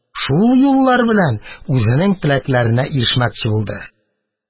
Шул юллар белән үзенең теләкләренә ирешмәкче булды.